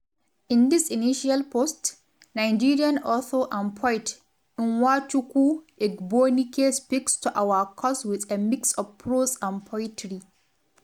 In this initial post, Nigerian author and poet Nwachukwu Egbunike speaks to our cause with a mix of prose and poetry.